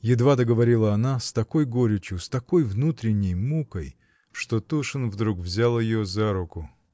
— едва договорила она с такой горечью, с такой внутренней мукой, что Тушин вдруг взял ее за руку.